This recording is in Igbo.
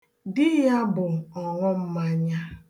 Di ya bụ ọṅụmmanya.